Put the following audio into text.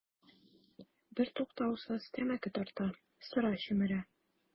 Бертуктаусыз тәмәке тарта, сыра чөмерә.